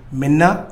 Ɛna